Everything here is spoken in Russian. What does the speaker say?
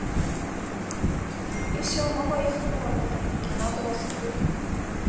и все мама уехала на работу она была собой